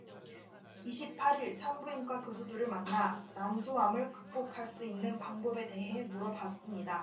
이십 팔 일 산부인과 교수들을 만나 난소암을 극복할 수 있는 방법에 대해 물었습니다